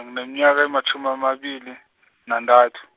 ngineminyaka ematjhumi amabili, nantathu.